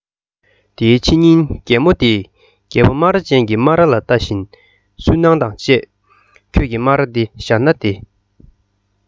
དེའི ཕྱི ཉིན རྒན མོ དེས རྒད པོ སྨ ར ཅན གྱི སྨ ར ལ ལྟ བཞིན སུན སྣང དང བཅས ཁྱོད ཀྱི སྨ ར དེ གཞར ན བདེ